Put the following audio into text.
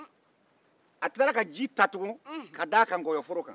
a tilara ka ji ta tugun ka da ka nkɔyɔforo kan